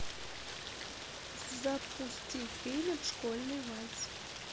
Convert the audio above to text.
запусти фильм школьный вальс